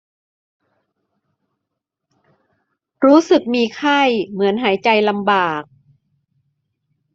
รู้สึกมีไข้เหมือนหายใจลำบาก